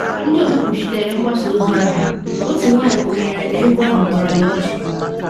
Ndị ọzọ kwuchitere mgbasa ozi ahụ, otu nwanyị kwenyere na egwu ahụ tọrọ ya “ọchị.”